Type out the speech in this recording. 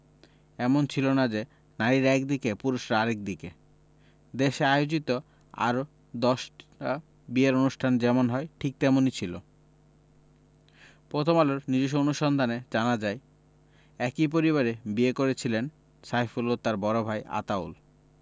এমন ছিল না যে নারীরা একদিকে পুরুষেরা আরেক দিকে দেশে আয়োজিত আর দশটা বিয়ের অনুষ্ঠান যেমন হয় ঠিক তেমনি ছিল প্রথম আলোর নিজস্ব অনুসন্ধানে জানা যায় একই পরিবারে বিয়ে করেছিলেন সাইফুল ও তাঁর বড় ভাই আতাউল